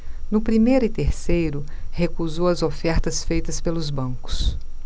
no primeiro e terceiro recusou as ofertas feitas pelos bancos